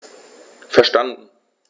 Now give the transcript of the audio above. Verstanden.